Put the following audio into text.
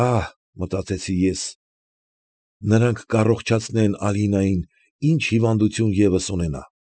Ահ, մտածեցի ես, նրանք կառողջացնեն Ալինային ինչ հիվանդություն ևս ունենա։